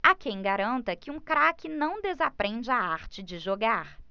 há quem garanta que um craque não desaprende a arte de jogar